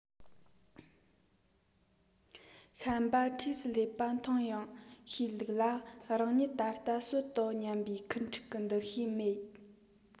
བཤན པ འཁྲིས སུ སླེབས པ མཐོང ཡང བཤས ལུག ལ རང ཉིད ད ལྟ གསོད དོ སྙམ པའི འཁུ འཕྲིག གི འདུ ཤེས མེད